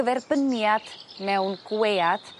gyferbyniad mewn gwead